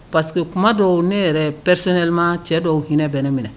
Parce que kuma dɔw ne yɛrɛ pɛpsima cɛ dɔw h hinɛ bɛ ne minɛ